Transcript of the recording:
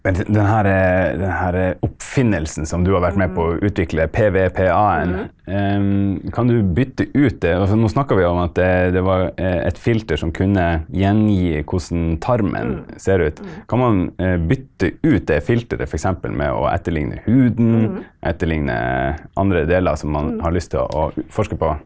men den herre den herre oppfinnelsen som du har vært med på å utvikle, PVPA-en kan du bytte ut det, for nå snakka vi om at det det var et filter som kunne gjengi hvordan tarmen ser ut, kan man bytte ut det filteret f.eks. med å etterligne huden etterligne andre deler som man har lyst til å forske på?